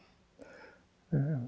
ja ja.